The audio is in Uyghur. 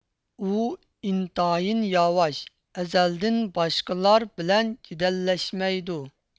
ئۇ ئىنتايىن ياۋاش ئەزەلدىن باشقىلار بىلەن جېدەللەشمەيدۇ